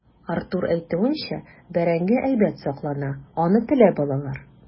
Артур әйтүенчә, бәрәңге әйбәт саклана, аны теләп алалар.